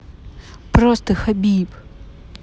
просто хабиб